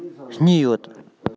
གཉིས ཡོད